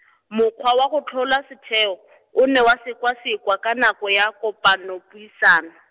mokgwa wa go tlhola setheo , o ne wa sekwasekwa ka nako ya kopanopuisano.